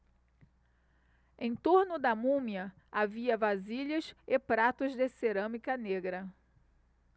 em torno da múmia havia vasilhas e pratos de cerâmica negra